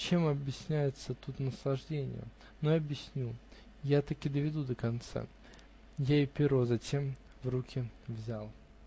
Чем объясняется тут наслаждение? Но я объяснюсь! Я-таки доведу до конца! Я и перо затем в руки взял.